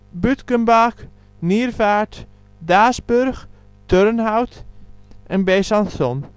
Buettgenbach, Niervaart, Daasburg, Turnhout en Besançon